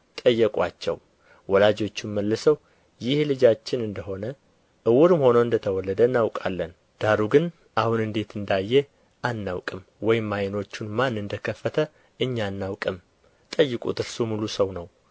ጠየቁአቸው ወላጆቹም መልሰው ይህ ልጃችን እንደ ሆነ ዕውርም ሆኖ እንደ ተወለደ አናውቃለን ዳሩ ግን አሁን እንዴት እንዳየ አናውቅም ወይም ዓይኖቹን ማን እንደ ከፈተ እኛ አናውቅም ጠይቁት እርሱ ሙሉ ሰው ነው